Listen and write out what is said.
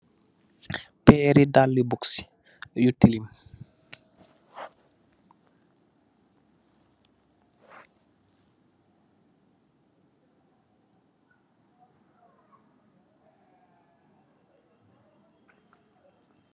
Peeri daali buugsi yu tilim.